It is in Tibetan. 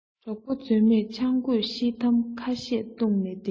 གྲོགས པོ རྫུན མས ཆང རྒོད ཤེལ དམ ཁ ཤས བཏུང ནས བསྡད